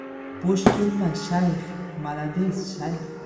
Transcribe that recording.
bo'sh kelma shayx malades shayx